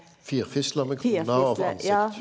firfisle med krone og ansikt.